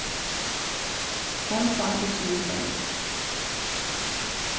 hon fann ikki lyklarnar